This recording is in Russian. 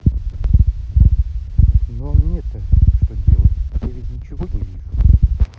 ну а мне то что делать я ведь ничего не вижу